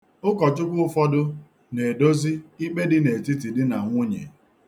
Ụkọchukwu ụfọdụ na-edozi ikpe dị n'etiti di na nwunye.